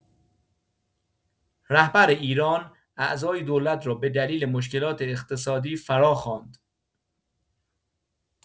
رهبر ایران اعضای دولت را به دلیل مشکلات اقتصادی فراخواند.